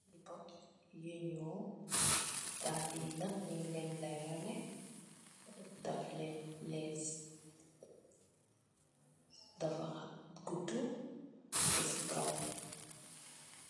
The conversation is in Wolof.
Piku yunu daala yi nak nyun ken lerale daff len lace defa guda bex si kaw